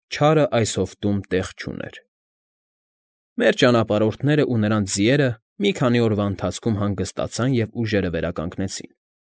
Չարը այս հովտում տեղ չուներ։ Մեր ճանապարհորդներն ու նրանց ձիերը մի քանի օրվա ընթացքում հանգստացան և ուժերը վերականգնեցին։